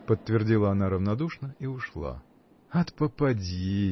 — подтвердила она равнодушно и ушла. — От попадьи!